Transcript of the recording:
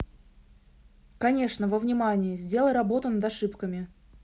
конечно во внимание сделай работу над ошибками